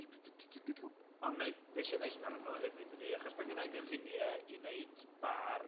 On' nei- be' sy'n neis amdanyn nhw hefyd ydi achos bo' gynnai gynllunie i neud bar